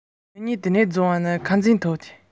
མཚོན ན སློབ གྲྭ དང དགེ རྒན